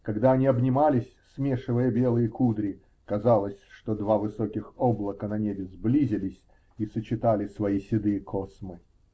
когда они обнимались, смешивая белые кудри, казалось, что два высоких облака на небе сблизились и сочетали свои седые космы.